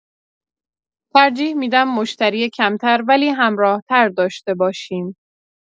ترجیح می‌دم مشتری کمتر ولی همراه‌تر داشته باشیم.